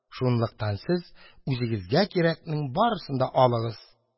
Шунлыктан сез үзегезгә кирәкнең барысын да алыгыз.